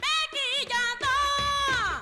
Den k'i ja sa